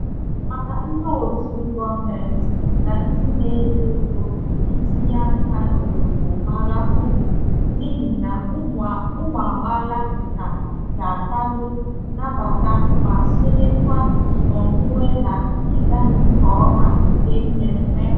Maka ndị òtù, gọọmentị, na ndị na-enye ego, itinye aka n'obodo bara ụrụ n'ịhị na ụmụ amaala ga-akwado, nabata, ma sonyekwa n'onwunwe na ịga nke ọma nke mmemme.